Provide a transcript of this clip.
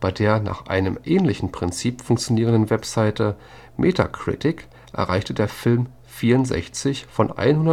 der nach einem ähnlichen Prinzip funktionierenden Website Metacritic erreichte der Film 64 von 100